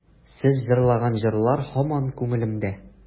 Сез җырлаган җырлар һаман күңелемдә.